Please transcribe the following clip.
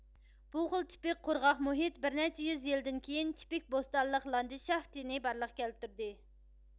بۇ خىل تىپىك قۇرغاق مۇھىت بىر نەچچە يۈز يىلدىن كىيىن تىپىك بوستانلىق لاندىشافتىنى بارلىققا كەلتۈردى